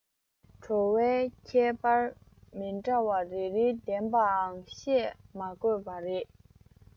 བྲོ བའི ཁྱད པར མི འདྲ བ རེ རེ ལྡན པའང བཤད མ དགོས པ རེད